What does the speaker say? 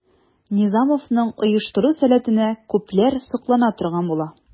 Низамовның оештыру сәләтенә күпләр соклана торган була.